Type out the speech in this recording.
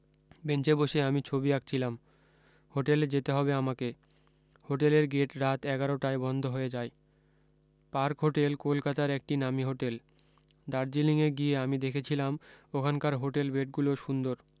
বেঞ্চে বসে আমি ছবি আঁকছিলাম হোটেলে যেতে হবে আমাকে হোটেলের গেট রাত এগারোটায় বন্ধ হয়ে যায় পার্ক হোটেল কলকাতার একটি নামী হোটেল দার্জিলিঙ এ গিয়ে আমি দেখেছিলাম ওখানকার হোটেলে বেট গুলো সুন্দর